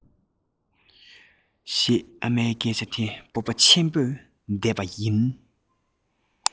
ཞེས ཨ མའི སྐད ཆ དེ སྤོབས པ ཆེན པོས བཟླས པ ཡིན